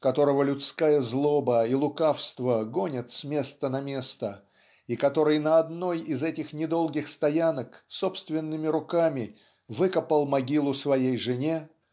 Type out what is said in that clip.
которого людская злоба и лукавство гонят с места на место и который на одной из этих недолгих стоянок собственными руками выкопал могилу своей жене